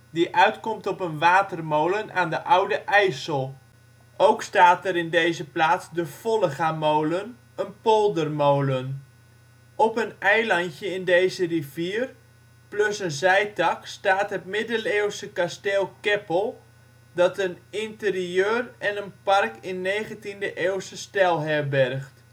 die uitkomt op een watermolen aan de Oude IJssel. Ook staat er in deze plaats de Follega molen, een poldermolen. Op een eilandje in deze rivier plus een zijtak staat het Middeleeuwse Kasteel Keppel dat een interieur en een park in negentiende-eeuwse stijl herbergt